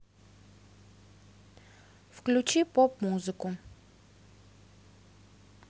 включи поп музыку